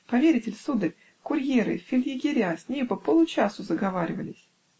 Поверите ль, сударь: курьеры, фельдъегеря с нею по получасу заговаривались.